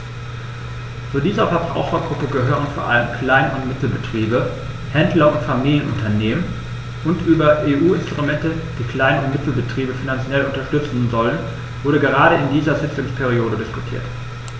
Zu dieser Verbrauchergruppe gehören vor allem Klein- und Mittelbetriebe, Händler und Familienunternehmen, und über EU-Instrumente, die Klein- und Mittelbetriebe finanziell unterstützen sollen, wurde gerade in dieser Sitzungsperiode diskutiert.